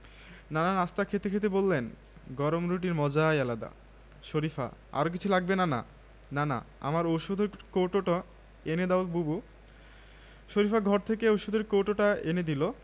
নানা নাশতা খেতে খেতে বললেন গরম রুটির মজাই আলাদা শরিফা আর কিছু লাগবে নানা নানা আমার ঔষধের কৌটোটা এনে দাও বুবু শরিফা ঘর থেকে ঔষধের কৌটোটা এনে দিল